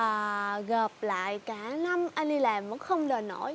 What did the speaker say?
à gộp lại cả năm anh đi làm cũng không đền nổi